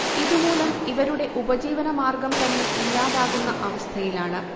ഇതുമൂലം ഇവരുടെ ഉപജീവനമാർഗം തന്നെ ഇല്ലാതാകുന്ന അവ്സഥയിലാണ്